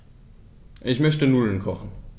Ich möchte Nudeln kochen.